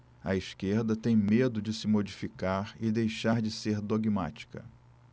a esquerda tem medo de se modificar e deixar de ser dogmática